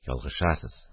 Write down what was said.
– ялгышасыз